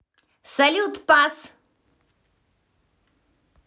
salute пас